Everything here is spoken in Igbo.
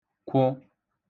kẇụ